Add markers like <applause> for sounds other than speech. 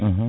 <hesitation> <hesitation>